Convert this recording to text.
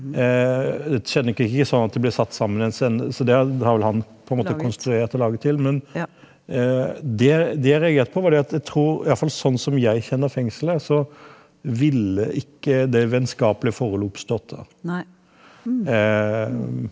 det skjedde nok ikke sånn at de ble satt sammen i en scene, så det har vel han på en måte konstruert og laget til, men det det jeg reagerte på var det at jeg tror i alle fall sånn som jeg kjenner fengselet så ville ikke det vennskapelige forholdet oppstått da .